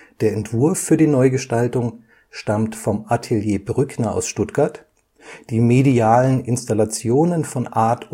Der Entwurf für die Neugestaltung stammt vom Atelier Brückner aus Stuttgart, die medialen Installationen von ART+COM